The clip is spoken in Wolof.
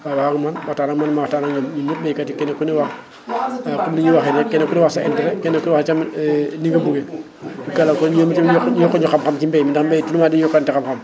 waaw man ba tax na man maa tax ñun ñëpp baykat yi kenn ku ne wax comme ni ñuy waxee kenn ku ne wax sa interêt kenn ku itam ni nga bëggee * ñoom tamit ñu yokk ñu xam-xam ci mbay mi ndax mbay tout le temps dañuy yokkante xam-xam